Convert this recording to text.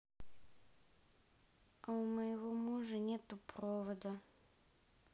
а у моего мужа нету провода